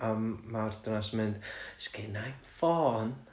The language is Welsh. a ma'r ddynas mynd "does genna i'm ffôn"